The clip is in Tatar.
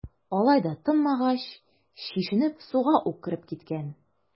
Алай да тынмагач, чишенеп, суга ук кереп киткән.